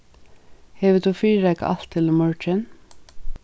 hevur tú fyrireikað alt til í morgin